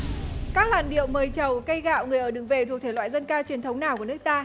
các làn điệu mời trầu cây gạo người ở đừng về thuộc thể loại dân ca truyền thống nào của nước ta